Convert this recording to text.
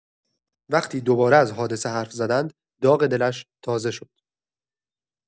وقتی دوباره از حادثه حرف زدند، داغ دلش تازه شد.